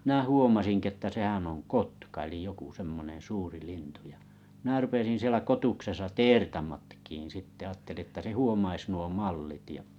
minä huomasinkin että sehän on kotka eli joku semmoinen suuri lintu ja minä rupesin siellä kotuksessa teertä matkimaan sitten ajattelin jotta se huomaisi nuo mallit ja